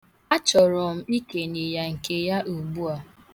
Achọrọ m ikenye ya nke ya ugbua.